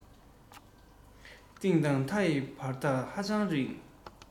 གཏིང དང མཐའ ཡི བར ཐག ཧ ཅང རིང